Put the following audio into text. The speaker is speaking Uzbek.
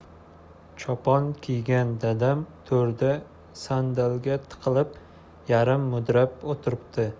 chopon kiygan dadam to'rda sandalga tiqilib yarim mudrab o'tiribdi